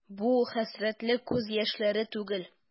Бу хәсрәтле күз яшьләре түгел.